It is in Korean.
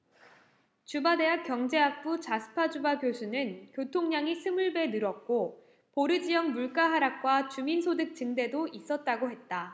주바대학 경제학부 자스파 주바 교수는 교통량이 스물 배 늘었고 보르 지역 물가 하락과 주민 소득 증대도 있었다고 했다